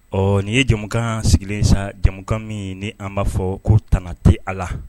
Ɔ nin ye jamukan sigilen sa jamukan min ni an b'a fɔ ko tana tɛ a la